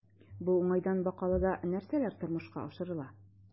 Бу уңайдан Бакалыда нәрсәләр тормышка ашырыла?